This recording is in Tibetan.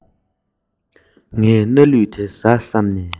ངས སྣ ལུད དེ བཟའ བསམས ནས